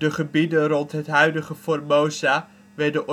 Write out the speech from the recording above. gebieden rond het huidige Formosa werden